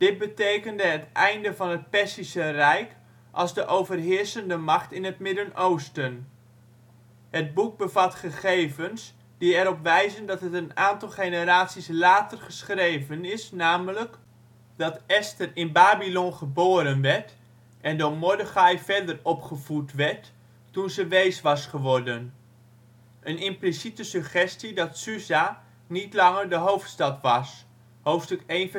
betekende het einde van het Perzische rijk als de overheersende macht in het Midden-Oosten. Het boek bevat gegevens die erop wijzen dat het een aantal generaties later geschreven is, namelijk: Dat Esther in Babylon geboren werd en door Mordechai verder opgevoed werd toen ze wees was geworden; Een impliciete suggestie dat Susa niet langer de hoofdstad was (hoofdstuk 1:2